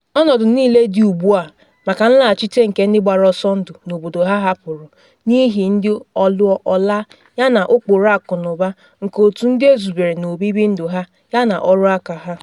Ọnọdụ niile dị ugbu a maka nlaghachite nke ndị gbara ọsọ ndụ n’obodo ha hapụrụ n’ihi ndị ọlụọ ọlaa yana ụkpụrụ akụnụba nke otu ndị ezubere na obibi ndụ ha yana ọrụ aka ha.